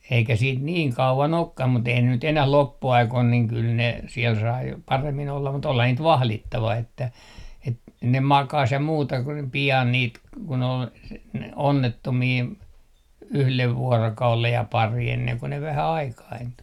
eikä siitä niin kauan olekaan mutta eihän ne nyt enää loppuaikoina niin kyllä ne siellä sai paremmin olla mutta olihan niitä vahdittava että - ne makasi ja muuta kuin ne pian niitä kun oli - ne onnettomia yhden vuorokauden ja pari ennen kuin vähän aikaintui